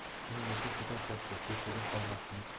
ungacha xudo poshsho ko'chada qolmasmiz